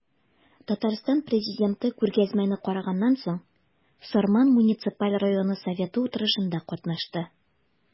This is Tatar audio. Татарстан Президенты күргәзмәне караганнан соң, Сарман муниципаль районы советы утырышында катнашты.